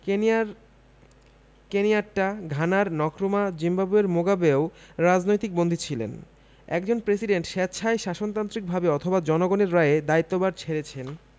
কেনিয়ার কেনিয়াট্টা ঘানার নক্রুমা জিম্বাবুয়ের মুগাবেও রাজনৈতিক বন্দী ছিলেন একজন প্রেসিডেন্ট স্বেচ্ছায় শাসনতান্ত্রিকভাবে অথবা জনগণের রায়ে দায়িত্বভার ছেড়েছেন